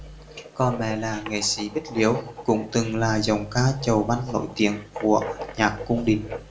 còn mẹ là nghệ sĩ bích liễu cũng từng là giọng ca chầu văn nổi tiếng của nhạc cung đình